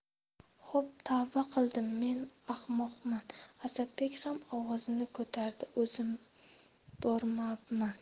xo'p tavba qildim men ahmoqman asadbek ham ovozini ko'tardi o'zim bormabman